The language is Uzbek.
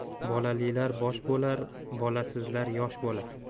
bolalilar bosh bo'lar bolasizlar yosh bo'lar